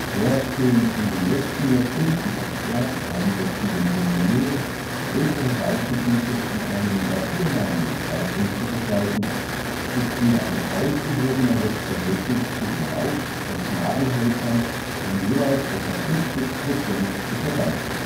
Erst den in den letzten Jahrzehnten verstärkt einsetzenden Bemühungen, größere Waldgebiete in einen naturnahen Mischwald umzugestalten, ist wieder ein ausgewogeneres Verhältnis zwischen Laub - und Nadelhölzern von jeweils etwa 50 % zu verdanken